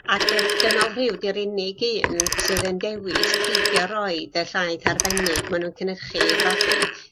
ag yym dynol rhyw 'di'r unig un sydd yn dewis pidio a roid y llaeth arbennig ma' nw'n cynhyrchu i'r babi